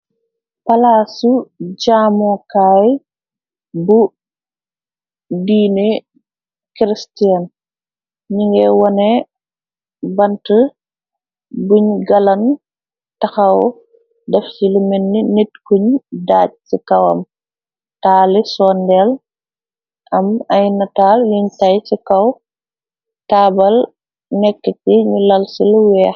Palaasu jaamokaay bu diine cristiene ni nge wone bant buñ galan taxaw def cilu menni nit kuñ daaj ci kaw am taali soondeel am ay nataal yuñ tay ci kaw taabal nekkti ñu lal ci lu weex.